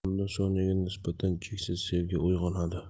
unda sonyaga nisbatan cheksiz sevgi uyg'onadi